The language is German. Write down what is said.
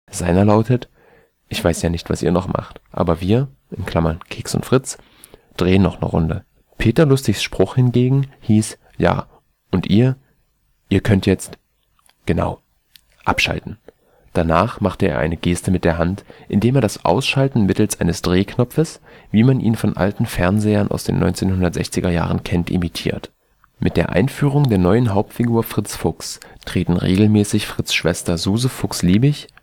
Seiner lautet: „ Ich weiß ja nicht was ihr noch macht, aber wir (Keks und Fritz) drehen noch’ ne Runde. “. Peter Lustigs Spruch hingegen hieß „ Ja, und ihr, ihr könnt jetzt … genau … abschalten. “Danach macht er eine Geste mit der Hand, indem er das Ausschalten mittels eines Drehknopfes, wie man ihn von alten Fernsehern aus den 1960er Jahren kennt, imitiert. Mit der Einführung der neuen Hauptfigur Fritz Fuchs treten regelmäßig Fritz’ Schwester Suse Fuchs-Liebig